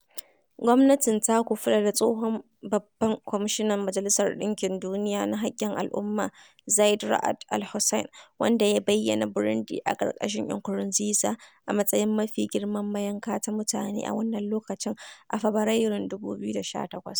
Gwamnatin ta kufula da tsohon babban kwamishinan Majalisar ɗinkin Duniya na haƙƙin al'umma, Zeid Ra'ad Al Hussein, wanda ya bayyana Burundi a ƙarƙashin Nkurunziza a matsayin "mafi girman mayanka ta mutane a wannan lokacin" a Fabarairun 2018.